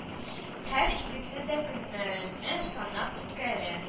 Һәр икесе дә көннәрне санап үткәрә